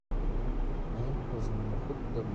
men o'zimni xuddi